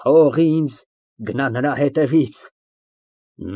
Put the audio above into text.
Թող ինձ, գնա նրա հետևից։